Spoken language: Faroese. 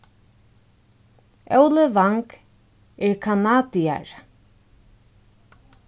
óli vang er kanadiari